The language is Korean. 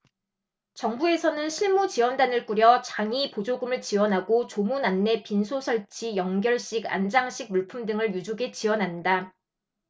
정부에서는 실무지원단을 꾸려 장의보조금을 지원하고 조문 안내 빈소설치 영결식 안장식 물품 등을 유족에 지원한다